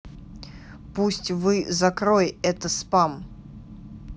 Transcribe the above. пусть вы закрой это спам